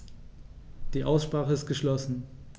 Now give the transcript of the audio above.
Die Aussprache ist geschlossen.